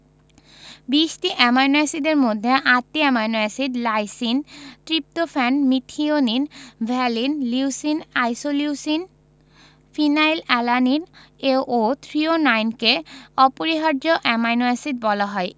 ২০টি অ্যামাইনো এসিডের মধ্যে ৮টি amino acid lysine tryptophan methionine valine leucine isoleucine phenylalanine ও থ্রিওনাইনকে অপরিহার্য অ্যামাইনো এসিড বলা হয়